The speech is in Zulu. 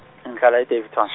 ngihlala e- Daveyton .